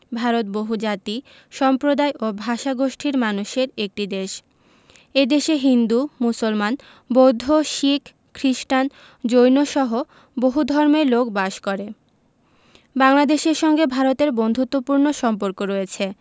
ভারত বহুজাতি সম্প্রদায় ও ভাষাগোষ্ঠীর মানুষের একটি দেশ এ দেশে হিন্দু মুসলমান বৌদ্ধ শিখ খ্রিস্টান জৈনসহ বহু ধর্মের লোক বাস করে বাংলাদেশের সঙ্গে ভারতের বন্ধুত্তপূর্ণ সম্পর্ক রয়ছে